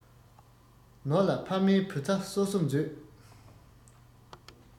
ནོར ལ ཕ མས བུ ཚ གསོ གསོ མཛོད